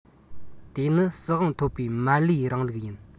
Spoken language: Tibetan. དེ ནི སྲིད དབང ཐོབ པའི མར ལེའི རིང ལུགས ཡིན